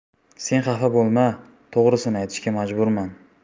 sen xafa bo'lma to'g'risini aytishga majburman